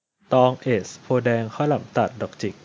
ตองเอซโพธิ์แดงข้าวหลามตัดดอกจิก